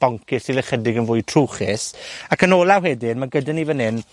boncyff sydd ychydig yn fwy trwchus. Ac yn olaf wedyn, ma' gyda ni fan 'yn